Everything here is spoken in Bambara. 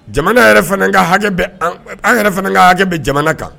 Jamana yɛrɛ fana ka hakɛ an yɛrɛ fana ka hakɛ bɛ jamana kan